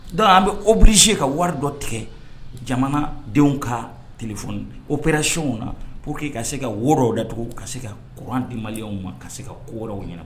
Donku an bɛ obilize ka wari dɔ tigɛ jamana denw ka telefɔni operasiyɔnw na puruke ka se ka wodɔw da tugun ka se ka kuran di maliɛnw ma ka se ka kowɛrɛw ɲɛ